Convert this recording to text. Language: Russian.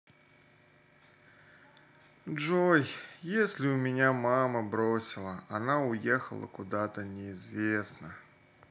джой если у меня мама бросила она уехала куда то неизвестно